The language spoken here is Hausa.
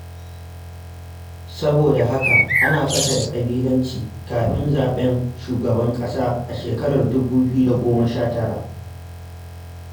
Saboda haka, ana tsaka da ƙabilanci kafin zaɓen shugaban ƙasa a shekarar 2019.